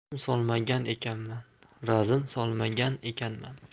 razm solmagan ekanman